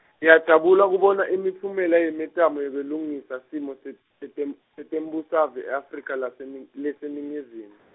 ngiyajabula kubona imiphumela yemitamo yekwelungisa simo, se- setem- setembusave e-Afrika lasening-, leseNingizimu.